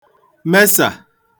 mesà